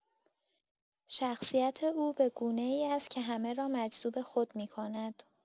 شخصیت او به گونه‌ای است که همه را مجذوب خود می‌کند.